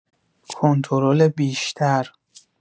کنترل بیشتر